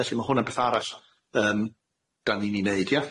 Felly ma' hwnna'n beth arall yym dan ni'n i neud ia?